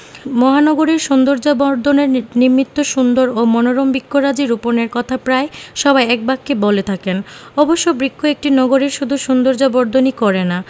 মহানগরীর সৌন্দর্যবর্ধনের নিমিত্ত সুন্দর ও মনোরম বৃক্ষরাজি রোপণের কথা প্রায় সবাই একবাক্যে বলে থাকেন অবশ্য বৃক্ষ একটি নগরীর শুধু সৌন্দর্যবর্ধনই করে না